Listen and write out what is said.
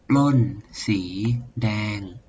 ปล้นสีแดง